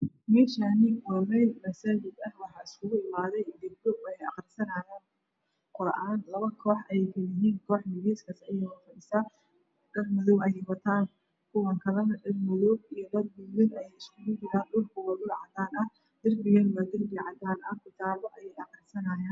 Me Shani wa meel masajid ah waxa iskugu imaday gab dho waxey aqrisanayan qur aan laba koox ayey Kala yihiin koox geskas ayey fa dhisa dhar madow ayey watan kuwa kalana dhar madow iya dhar gudud ayay iskugu juran dhul ka wa dhul cadan ah dar bigana wa dar bi cadan ah kutaabo ayey na aqrisanayan